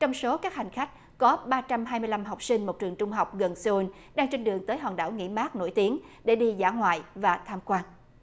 trong số các hành khách có ba trăm hai mươi lăm học sinh một trường trung học gần xê un đang trên đường tới hòn đảo nghỉ mát nổi tiếng để đi dã ngoại và tham quan